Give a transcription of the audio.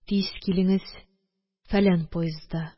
Тиз килеңез, фәлән поездда»